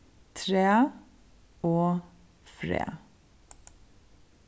træ og fræ